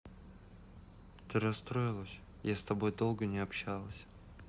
ты расстроилась я с тобой долго не общалась